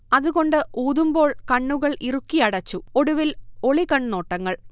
അതുകൊണ്ട് ഊതുമ്പോൾ കണ്ണുകൾ ഇറുക്കിയടച്ചു, ഒടുവിൽ ഒളികൺനോട്ടങ്ങൾ